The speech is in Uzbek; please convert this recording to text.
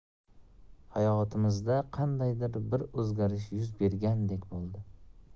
hayotimizda qandaydir bir o'zgarish yuz bergandek bo'ldi